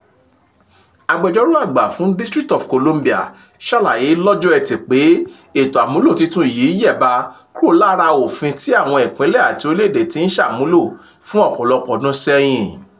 Agbẹjọ́rò àgbà fún District of Columbia ṣàlàyé lọ́jọ Ẹtì pé ètò àmúlò titun yìí yẹ̀ba kúrò lára ofin tí àwọn ìpínlẹ̀ àti orílẹ̀èdè ti ń ṣàmúlò fún ọ̀pọ̀lọpọ̀ ọdún sẹ́yìn."